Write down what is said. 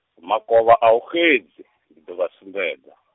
Makovha ahu xedzi , ndi ḓo vha sumbedza .